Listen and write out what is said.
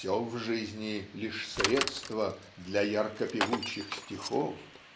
все в жизни -- лишь средство Для ярко-певучих стихов.